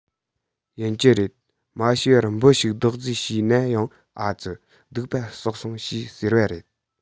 ཡིན གྱི རེད མ ཤེས པར འབུ ཞིག རྡོག རྫིས བྱས ན ཡང ཨ ཙི སྡིག པ བསགས སོང ཞེས ཟེར བ རེད